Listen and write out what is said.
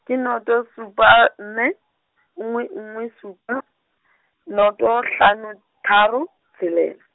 ke noto supa nne , nngwe nngwe supa , noto hlano tharo tshelela.